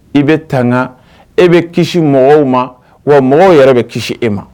I bɛ tanga e bɛ kisi mɔgɔw ma wa mɔgɔw yɛrɛ bɛ kisi e ma